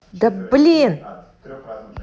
да блин